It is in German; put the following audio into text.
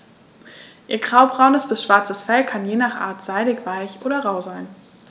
Ihr graubraunes bis schwarzes Fell kann je nach Art seidig-weich oder rau sein.